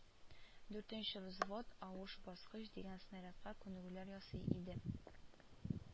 Дүртенче взвод авыш баскыч дигән снарядта күнегүләр ясый иде